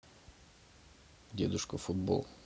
дедушка футбол